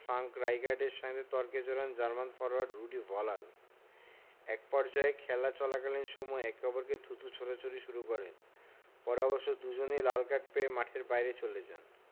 Frank রাইকার্ডের সঙ্গে তর্কে জড়ান জার্মান ফরোয়ার্ড রুডি ভলার একপর্যায়ে খেলা চলাকালীন সময়েই একে অপরকে থুতু ছোড়াছুড়ি শুরু করেন পরে অবশ্য দুজনই লাল কার্ড পেয়ে মাঠের বাইরে চলে যান